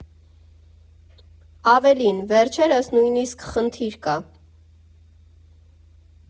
Ավելին, վերջերս նույնիսկ խնդիր կա.